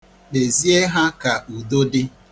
Kpezie ha ka udo dị.